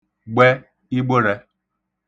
gbẹ igbə̣rẹ